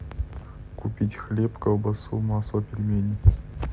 купить хлеб колбасу масло пельмени